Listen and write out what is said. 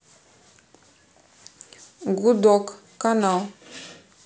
гудок канал